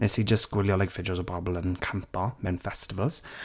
Wnes i jyst gwylio, like, fideos o bobl yn campo mewn festivals.